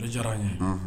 O diyara an yeh, unhun.